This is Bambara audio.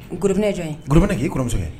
Jɔnna k'i kɔrɔsɛbɛ ye